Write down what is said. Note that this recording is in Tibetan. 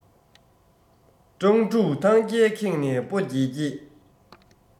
སྤྲང ཕྲུག ཐང རྐྱལ ཁེངས ནས སྦོ དགྱེད དགྱེད